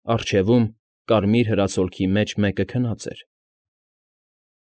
Առջևում, կարմիր հրացլոքի մեջ մեկը քնած էր։